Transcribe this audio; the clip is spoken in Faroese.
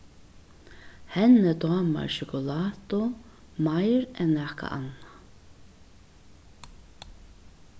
henni dámar sjokulátu meir enn nakað annað